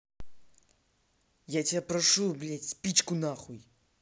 а я тебя прошу блять спичку на хуй